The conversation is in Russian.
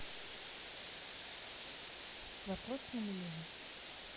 вопрос на миллион